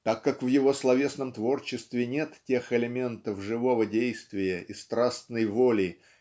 Так как в его словесном творчестве нет тех элементов живого действия и страстной воли